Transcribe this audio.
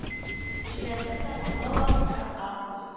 Эшләрне тәмамлау вакыты - август